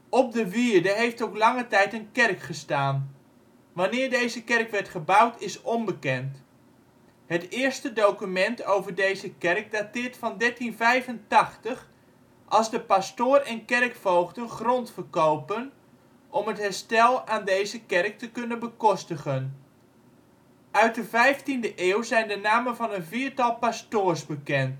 Op de wierde heeft ook lange tijd een kerk gestaan. Wanneer deze kerk werd gebouwd is onbekend. Het eerste document over deze kerk dateert van 1385, als de pastoor en kerkvoogden grond verkopen om het herstel aan deze kerk te kunnen bekostigen. Uit de 15e eeuw zijn de namen van een viertal pastoors bekend. In 1607